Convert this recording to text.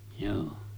joo